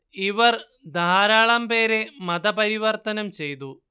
ഇവര്‍ ധാരാളം പേരെ മത പരിവര്‍ത്തനം ചെയ്തു